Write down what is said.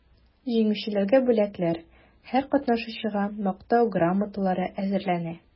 Җиңүчеләргә бүләкләр, һәр катнашучыга мактау грамоталары әзерләнә.